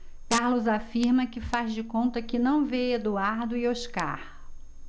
carlos afirma que faz de conta que não vê eduardo e oscar